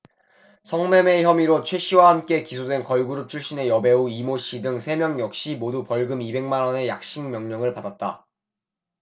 성매매 혐의로 최씨와 함께 기소된 걸그룹 출신의 여배우 이모씨 등 세 명 역시 모두 벌금 이백 만원의 약식명령을 받았다